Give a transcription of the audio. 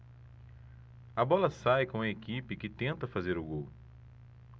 a bola sai com a equipe que tenta fazer o gol